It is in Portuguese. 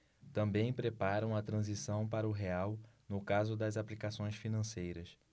também preparam a transição para o real no caso das aplicações financeiras